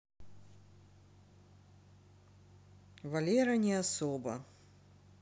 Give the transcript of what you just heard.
валера не особо